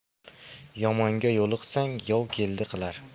yomonga yo'liqsang yov keldi qilar